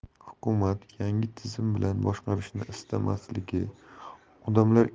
hukumat yangi tizim bilan boshqarishni istamasligi odamlar